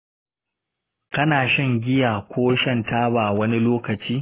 kana shan giya ko shan taba wani lokaci?